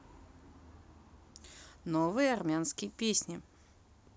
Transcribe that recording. новые армянские песни